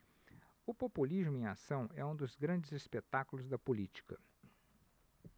o populismo em ação é um dos grandes espetáculos da política